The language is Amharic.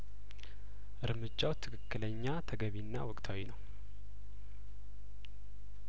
እርምጃው ትክክለኛ ተገቢና ወቅታዊ ነው